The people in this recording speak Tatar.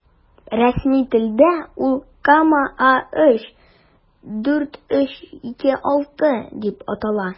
Рәсми телдә ул “КамАЗ- 4326” дип атала.